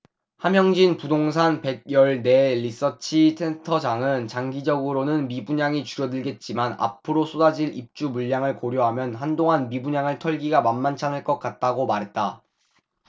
함영진 부동산 백 열 네 리서치센터장은 장기적으로는 미분양이 줄어들겠지만 앞으로 쏟아질 입주물량을 고려하면 한동안 미분양을 털기가 만만찮을 것 같다고 말했다